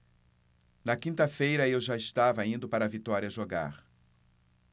na quinta-feira eu já estava indo para vitória jogar